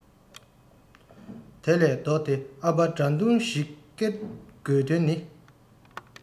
དེ ལས ལྡོག སྟེ ཨ ཕ དགྲ འདུལ ཞིག ཀེར དགོས དོན ནི